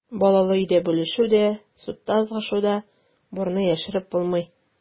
Балалы өйдә бүлешү дә, судта ызгышу да, бурны яшереп булмый.